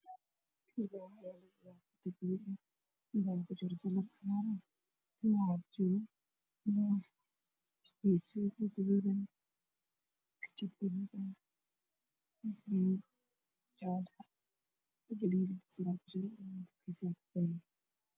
Waa saddex weel oo wax lagu kariyo waxaa ku jira canjeero khudaar hilib